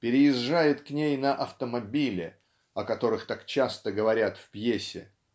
переезжает к ней на автомобиле (о которых так часто говорят в пьесе)